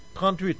38